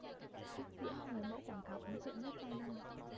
trúc diễm người mẫu quảng cáo ấn tượng nhất trong năm